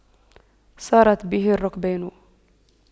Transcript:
سارت به الرُّكْبانُ